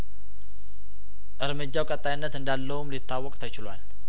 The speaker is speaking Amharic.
እርምጃው ቀጣይነት እንዳለውም ሊታወቅ ተችሏል